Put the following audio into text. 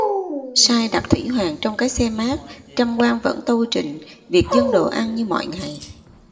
sai đặt thủy hoàng trong cái xe mát trăm quan vẫn tâu trình việc dâng đồ ăn như mọi ngày